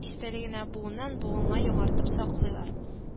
Истәлегенә буыннан-буынга яңартып саклыйлар